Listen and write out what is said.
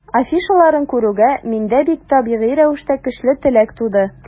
Афишаларын күрүгә, миндә бик табигый рәвештә көчле теләк туды.